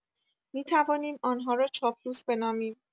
می‌توانیم آنها را چاپلوس بنامیم